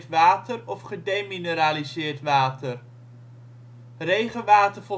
water of gedemineraliseerd water. Regenwater